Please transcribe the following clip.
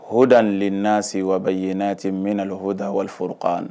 Hda lesi wa bɛ yen n'a tɛ min na la'oda waliorokan